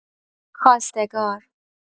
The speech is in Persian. خواستگار